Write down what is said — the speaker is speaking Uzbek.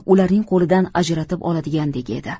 ularning qo'lidan ajratib oladigandek edi